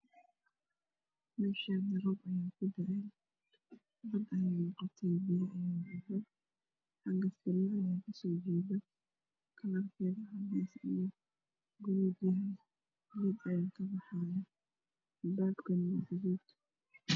Meeshaani waa bad ayey noqotay kalarkisa cadaan yahay guduud